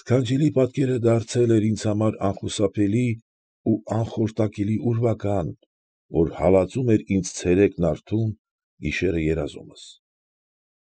Սքանչելի պատկերը դարձել էր ինձ համար մի անխուսափելի ու անխորտակելի ուրվական, որ հալածում էր ինձ ցերեկն արթուն, գիշերը՝ երազումս։